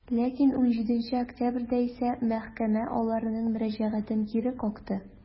Ләкин 17 октябрьдә исә мәхкәмә аларның мөрәҗәгатен кире какты.